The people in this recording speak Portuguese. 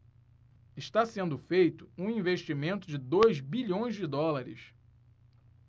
está sendo feito um investimento de dois bilhões de dólares